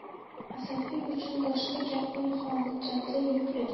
asadbek uchun boshqa gapning hojati yo'q edi